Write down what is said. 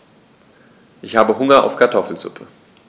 Ich habe Hunger auf Kartoffelsuppe.